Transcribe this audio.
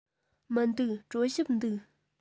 མི འདུག གྲོ ཞིབ འདུག